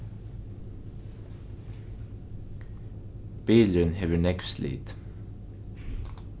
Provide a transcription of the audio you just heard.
bilurin hevur nógv slit